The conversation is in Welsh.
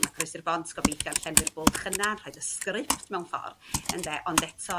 ma' croesi'r bont gobeithio'n llenwi'r bwlch yna rhoid y sgript mewn ffor' ynde? Ond eto